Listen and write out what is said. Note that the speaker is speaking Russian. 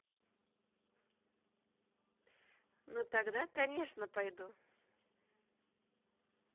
ну тогда конечно пойду